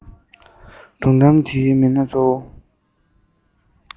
སྒྲུང གཏམ འདིའི མི སྣ གཙོ བོ